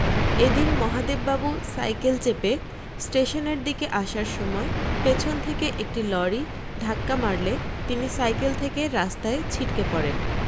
এ দিন মহাদেববাবু সাইকেল চেপে স্টেশনের দিকে আসার সময় পিছন থেকে একটি লরি ধাক্কা মারলে তিনি সাইকেল থেকে রাস্তায় ছিটকে পড়েন